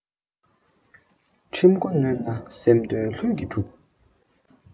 ཁྲིམས འགོ ནོན ན བསམ དོན ལྷུན གྱིས འགྲུབ